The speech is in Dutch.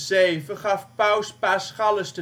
1107 gaf Paus Paschalis